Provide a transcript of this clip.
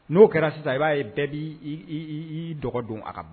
N'o kɛra sisan i b'a ye bɛɛ b'i dɔgɔ don a ka